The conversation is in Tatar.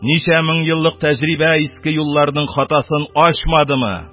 Ничә мең еллык тәҗрибә иске юлларның хатасын ачмадымы;